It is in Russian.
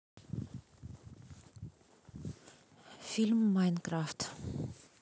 фильм майнкрафт